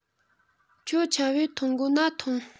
ཁྱོད ཆ བོས འཐུང དགོ ན ཐུངས